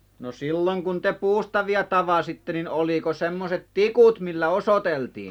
no silloin kun te puustaavia tavasitte niin oliko semmoiset tikut millä osoiteltiin